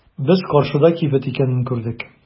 Без каршыда кибет икәнен күрдек.